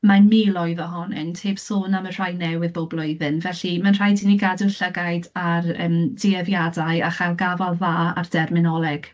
Mae miloedd ohonynt, heb sôn am y rhai newydd bob blwyddyn. Felly mae'n rhaid i ni gadw llygaid ar yym dueddiadau a chael gafael dda ar derminoleg.